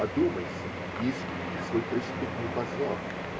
Одумайся и искупи свой преступный позор!